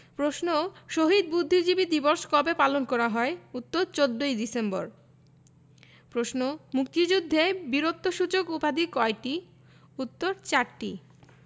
প্রশ্ন শহীদ বুদ্ধিজীবী দিবস কবে পালন করা হয় উত্তর ১৪ ডিসেম্বর প্রশ্ন মুক্তিযুদ্ধে বীরত্বসূচক উপাধি কয়টি উত্তর চারটি